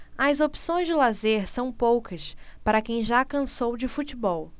as opções de lazer são poucas para quem já cansou de futebol